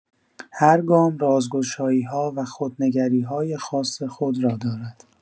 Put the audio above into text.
هر گام رازگشایی‌ها و خودنگری‌های خاص خود را دارد.